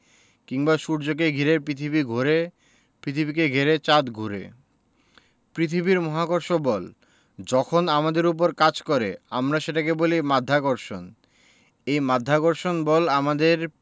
কিংবা সূর্যকে ঘিরে পৃথিবী ঘোরে পৃথিবীকে ঘিরে চাঁদ ঘোরে পৃথিবীর মহাকর্ষ বল যখন আমাদের ওপর কাজ করে আমরা সেটাকে বলি মাধ্যাকর্ষণ এই মাধ্যাকর্ষণ বল আমাদের